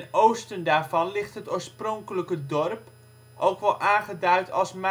oosten daarvan ligt het oorspronkelijke dorp, ook wel aangeduid als Maarssen-Dorp